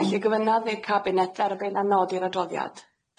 Felly gofynnaf i'r Cabinet dderbyn a nodi'r adroddiad.